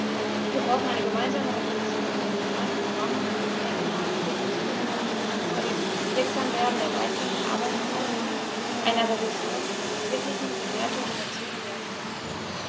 Wir brauchen eine gemeinsame Reflexion, damit die neuen Programme und die regionalen Entwicklungspläne, die vor dem Wirksamwerden der Leitlinien erarbeitet worden sind, einer Revision und wirklichen Bewertung unterzogen werden können.